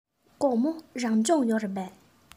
དགོང མོ རང སྦྱོང ཡོད རེད པས